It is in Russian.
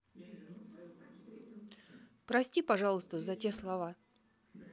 прости пожалуйста за те слова